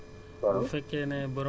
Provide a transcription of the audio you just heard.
waaw lépp lu ngeen ciy def